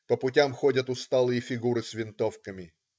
По путям ходят усталые фигуры с винтовками.